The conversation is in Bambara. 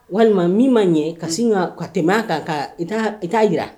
Walima min'a ɲɛ ka sin ka ka tɛmɛma kan ka i t'a jira